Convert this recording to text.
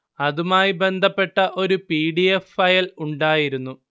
അതുമായി ബന്ധപ്പെട്ട ഒരു പി ഡി എഫ് ഫയൽ ഉണ്ടായിരുന്നു